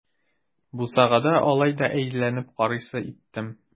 Бусагада алай да әйләнеп карыйсы иттем.